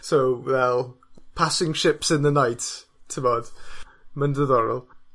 So fel passing ships in the night t'mod, ma'n ddiddorol.